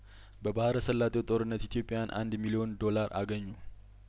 በባህረ ሰላጤው ጦርነት ኢትዮጵያውያን አንድ ሚሊዮን ዶላር አገኙ